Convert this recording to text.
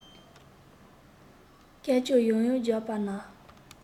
སྐད ཅོར ཡང ཡང བརྒྱབ པ ན